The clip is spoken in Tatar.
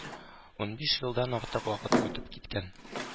Унбиш елдан артык вакыт үтеп киткән